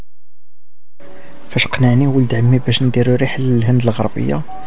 اشتقنا يا ولد عمي بس انت رايح الهند الغربيه